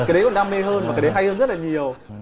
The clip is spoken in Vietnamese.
cái đấy còn đam mê hơn và cái đấy hay hơn rất là nhiều